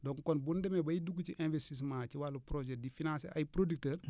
donc kon bu nu demee bay dugg ci investissement ci wàllu projet di financer ay producteurs